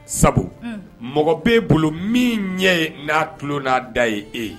Sabu mɔgɔ bɛ'e bolo min ɲɛ ye n'a tulo n'a da ye e ye